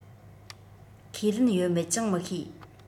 ཁས ལེན ཡོད མེད ཀྱང མི ཤེས